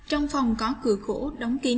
trong phòng có cửa gỗ đóng kín